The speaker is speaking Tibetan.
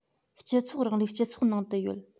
སྤྱི ཚོགས རིང ལུགས སྤྱི ཚོགས ནང དུ ཡོད